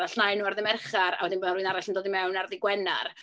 A llnau nhw ar ddydd Mercher, a wedyn bod rywun arall yn dod i mewn ar ddydd Gwener.